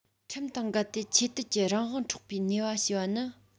ཁྲིམས དང འགལ ཏེ ཆོས དད ཀྱི རང དབང འཕྲོག པའི ཉེས པ ཞེས པ ནི